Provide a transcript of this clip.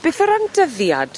Beth o ran dyddiad?